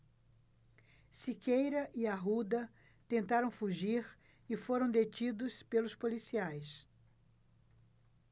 siqueira e arruda tentaram fugir e foram detidos pelos policiais